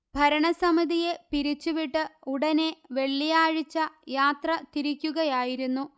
ഭരണസമിതിയെ പിരിച്ചുവിട്ട് ഉടനെ വെള്ളിയാഴ്ച യാത്ര തിരിക്കുകയായിരുന്നു